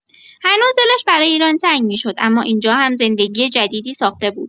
هنوز دلش برای ایران تنگ می‌شد، اما اینجا هم زندگی جدیدی ساخته بود.